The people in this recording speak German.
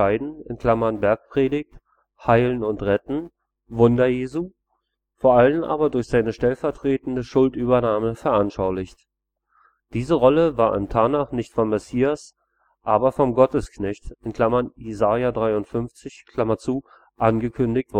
Lehren und Entscheiden (Bergpredigt), Heilen und Retten (Wunder Jesu), vor allem aber durch seine stellvertretende Schuldübernahme veranschaulicht. Diese Rolle war im Tanach nicht vom Messias, aber vom Gottesknecht (Jes 53) angekündigt